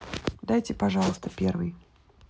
дайте пожалуйста первый